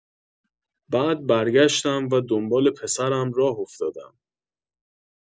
بعد برگشتم و دنبال پسرم راه افتادم.